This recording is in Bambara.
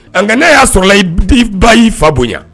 Nka nka ne y'a sɔrɔla i ba y'i fa bonya